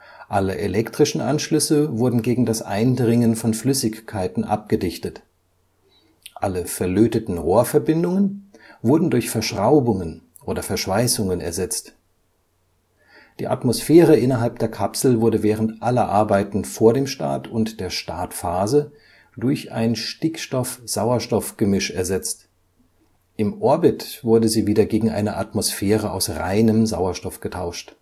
Alle elektrischen Anschlüsse wurden gegen das Eindringen von Flüssigkeiten abgedichtet. Alle verlöteten Rohrverbindungen wurden durch Verschraubungen oder Verschweißungen ersetzt. Die Atmosphäre innerhalb der Kapsel wurde während aller Arbeiten vor dem Start und der Startphase durch ein Stickstoff-Sauerstoff-Gemisch ersetzt. Im Orbit wurde sie wieder gegen eine Atmosphäre aus reinem Sauerstoff getauscht